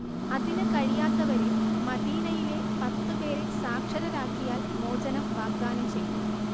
അതിന് കഴിയാത്തവരെ മദീനയിലെ പത്ത് പേരെ സാക്ഷരരാക്കിയാൽ മോചനം വാഗ്ദാനം ചെയ്തു